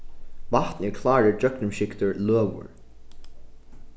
vatn er klárur gjøgnumskygdur løgur